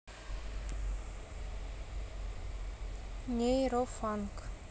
нейрофанк